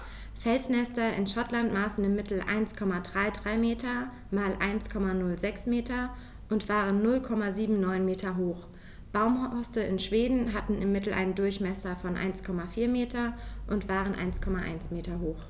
Felsnester in Schottland maßen im Mittel 1,33 m x 1,06 m und waren 0,79 m hoch, Baumhorste in Schweden hatten im Mittel einen Durchmesser von 1,4 m und waren 1,1 m hoch.